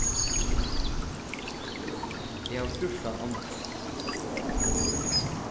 eg havi fjúrtan ommubørn